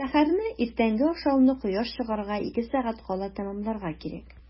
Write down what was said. Сәхәрне – иртәнге ашауны кояш чыгарга ике сәгать кала тәмамларга кирәк.